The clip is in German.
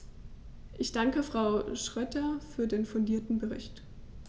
Ich danke Frau Schroedter für den fundierten Bericht.